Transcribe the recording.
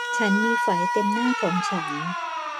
ฉันมีไฝเต็มหน้าของฉัน